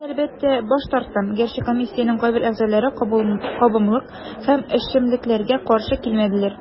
Мин, әлбәттә, баш тарттым, гәрчә комиссиянең кайбер әгъзаләре кабымлык һәм эчемлекләргә каршы килмәделәр.